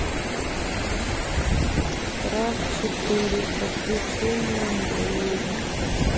рав четыре подключение андроид